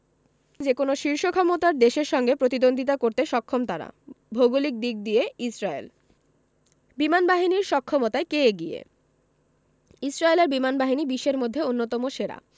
যেকোনো শীর্ষ ক্ষমতার দেশের সঙ্গে প্রতিদ্বন্দ্বিতা করতে সক্ষম তারা ভৌগোলিক দিক দিয়ে ইসরায়েল বিমানবাহীর সক্ষমতায় কে এগিয়ে ইসরায়েলের বিমানবাহিনী বিশ্বের মধ্যে অন্যতম সেরা